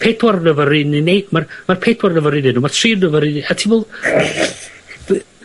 Pedwar i ni. Ma'r ma' pedwar efo'r un un a ma' tri yn a ti me'wl be-